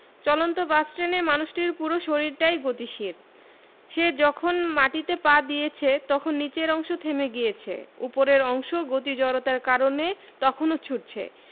চলন্ত বাস ট্রেনের মানুষটির পুরো শরীরটাই গতিশীল সে যখন মাটিতে পা দিয়েছে তখন নিচের অংশ থেমে গিয়েছে ওপরের অংশ গতি জড়তার কারণে তখনো ছুটছে